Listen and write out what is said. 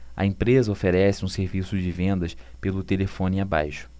a empresa oferece um serviço de vendas pelo telefone abaixo